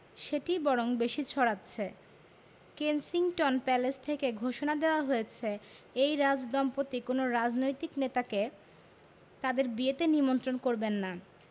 সেটিই বরং বেশি ছড়াচ্ছে কেনসিংটন প্যালেস থেকে ঘোষণা দেওয়া হয়েছে এই রাজদম্পতি কোনো রাজনৈতিক নেতাকে তাঁদের বিয়েতে নিমন্ত্রণ করবেন না